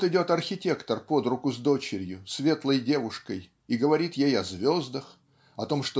Вот идет архитектор под руку с дочерью светлой девушкой и говорит ей о звездах о том